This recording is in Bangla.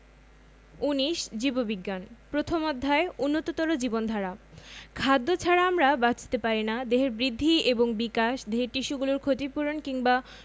১৯ জীববিজ্ঞান প্রথম অধ্যায় উন্নততর জীবনধারা খাদ্য ছাড়া আমরা বাঁচতে পারি না দেহের বৃদ্ধি এবং বিকাশ দেহের টিস্যুগুলোর ক্ষতি পূরণ কিংবা